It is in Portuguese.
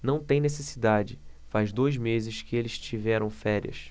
não tem necessidade faz dois meses que eles tiveram férias